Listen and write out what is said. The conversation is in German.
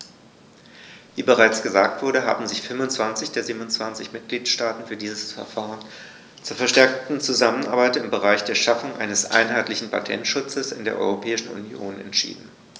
Wie bereits gesagt wurde, haben sich 25 der 27 Mitgliedstaaten für dieses Verfahren zur verstärkten Zusammenarbeit im Bereich der Schaffung eines einheitlichen Patentschutzes in der Europäischen Union entschieden.